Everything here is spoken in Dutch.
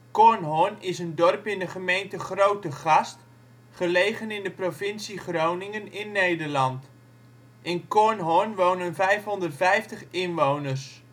Kornhorn is een dorp in de gemeente Grootegast, gelegen in de provincie Groningen in Nederland. In Kornhorn wonen 550 inwoners